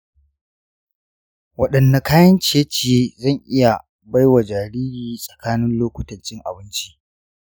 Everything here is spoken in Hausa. wadanne kayan ciye-ciye zan iya bai wa jariri tsakanin lokutan cin abinci?